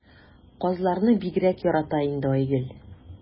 Казларны бигрәк ярата инде Айгөл.